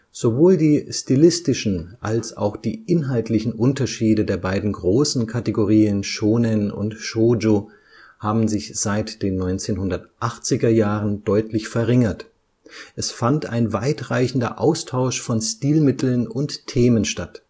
Sowohl die stilistischen als auch die inhaltlichen Unterschiede der beiden großen Kategorien Shōnen und Shōjo haben sich seit den 1980er Jahren deutlich verringert, es fand ein weitreichender Austausch von Stilmitteln und Themen statt